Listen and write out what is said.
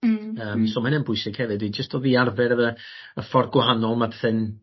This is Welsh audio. Hmm. Yym so ma' ynna'n bwysig hefyd i jyst dof i arfer ef- y y ffor gwahanol ma' pethe'n